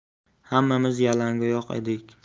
hammamiz yalangoyoq edik